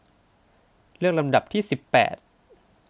เลือกลำดับที่สิบแปด